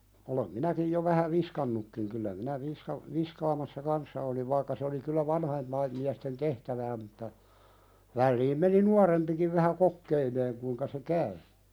olen minäkin jo vähän viskannutkin kyllä minä - viskaamassa kanssa olin vaikka se oli kyllä vanhempien miesten tehtävää mutta väliin meni nuorempikin vähän kokeilemaan kuinka se käy